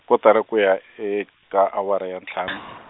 kotara ku ya e ka awara ya ntlhanu.